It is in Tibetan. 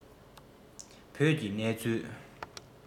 བོད ཀྱི གནས ཚུལ